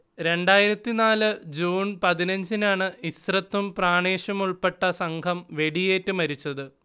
രണ്ടായിരത്തിനാല് ജൂൺ പതിനഞ്ചിനാണ്‌ ഇസ്രത്തും പ്രാണേഷുമുൾപ്പെട്ട സംഘം വെടിയേറ്റ് മരിച്ചത്